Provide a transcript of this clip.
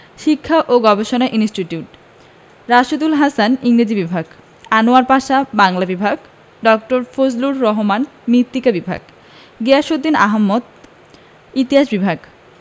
শিক্ষা ও গবেষণা ইনস্টিটিউট রাশীদুল হাসান ইংরেজি বিভাগ আনোয়ার পাশা বাংলা বিভাগ ড. ফজলুর রহমান মৃত্তিকা বিভাগ গিয়াসউদ্দিন আহমদ ইতিহাস বিভাগ